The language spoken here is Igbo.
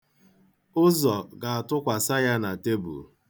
Ụzọ ga-atụkwasa ya na tebul.